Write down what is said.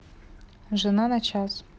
жена на час